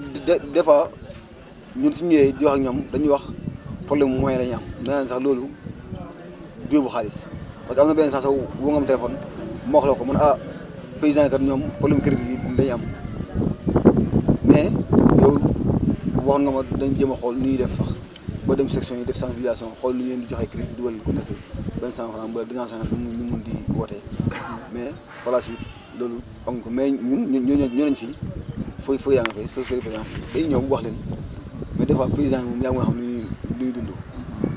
ñoom des des fois ñun su ñu ñëwee di wax ak ñoom dañuy wax problème mu moyen la ñu am nee nañ sax loolu du yóbbu xaalis parce que ma na instant woo nga ma téléphone ma wax la ko ah paysans yi kat ñoom problème mu crédit la ñu am nga ne yow waxoon nga ma dinañ jéem a xool nu ñuy def ba dem *** def seen évaluation xool nu ñu leen di joxee crédit dugalal ku nekk benn cent franc mbaa deux cent cinquante mu mun mu mun di woote mais par la suite loolu amuñ ko mais ñun ñun ñëw nañ ñëw nañ fi feuilles feuilles yaa nga fee feuilles yaa nga fee dañuy ñëw wax leen mais des fois fois paysans yi moom yaa ma gën a xam lu ñuy lu ñuy dund